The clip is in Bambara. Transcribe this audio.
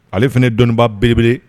Ale fana dɔnniba bbele